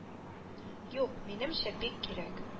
Юк, минемчә, бик кирәк